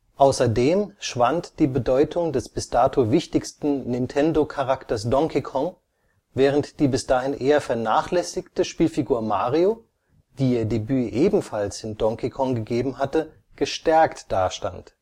Außerdem schwand die Bedeutung des bis dato wichtigsten Nintendo-Charakters Donkey Kong, während die bis dahin eher vernachlässigte Spielfigur Mario, die ihr Debüt ebenfalls in Donkey Kong gegeben hatte, gestärkt dastand